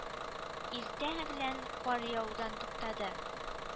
Иртә белән кар явудан туктады